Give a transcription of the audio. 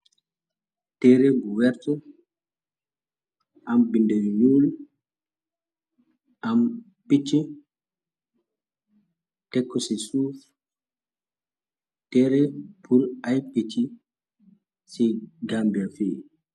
Tere bu werta am bindeyu nuul am pichi tekku ci suuf tere pur ay pichi ci gambia fi.